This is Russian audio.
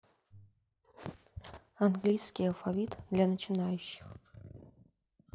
английский алфавит для начинающих